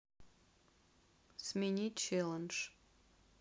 сменить челлендж